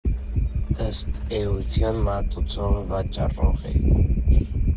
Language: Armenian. Ըստ էության, մատուցողը վաճառող է.